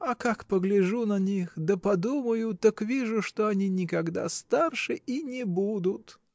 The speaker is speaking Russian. А как погляжу на них да подумаю, так вижу, что они никогда старше и не будут.